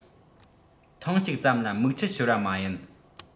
ཐེངས གཅིག ཙམ ལ མིག ཆུ ཤོར བ མ ཡིན